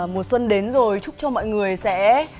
mùa xuân đến rồi chúc cho mọi người sẽ